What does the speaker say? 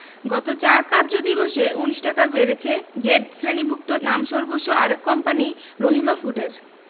গত ৪ কার্যদিবসে ১৯ টাকা বেড়েছে জেড শ্রেণিভুক্ত নামসর্বস্ব আরেক কোম্পানি রহিমা ফুডের